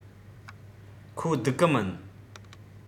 ཁོ བསྡུག གི མིན